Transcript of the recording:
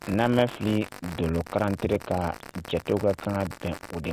N'an man fili dolo calendrier ka jate ka kan ka bɛn o de